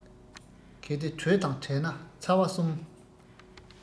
གལ ཏེ དྲོད དང བྲལ ན ཚ བ གསུམ